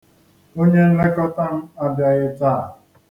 Onye nlekọta m abịaghị taa.